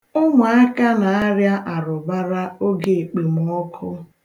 Ụmụaka na-arịa arụbara oge ekpemọkụ.